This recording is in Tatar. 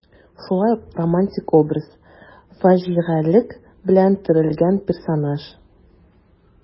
Шулай ук романтик образ, фаҗигалек белән төрелгән персонаж.